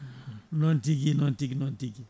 noon tigui noon tigui